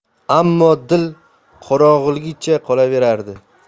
ammo dil qorong'uligicha qolaverardi